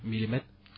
milimètres